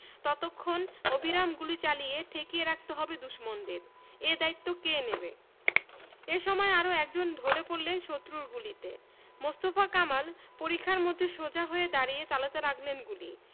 ততক্ষণ অবিরাম গুলি চালিয়ে ঠেকিয়ে রাখতে হবে দুশমনদের এ দায়িত্ব কে নেবে এ সময় আরও একজন ঢলে পড়লেন শত্রুর গুলিতে মোস্তফা কামাল পরিখার মধ্যে সোজা হয়ে দাঁড়িয়ে চালাতে লাগলেন গুলি